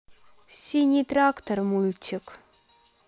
синий трактор мультик